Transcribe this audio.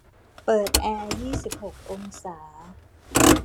เปิดแอร์ยี่สิบหกองศา